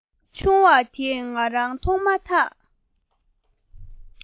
བུ ཆུང བ དེས ང རང མཐོང མ ཐག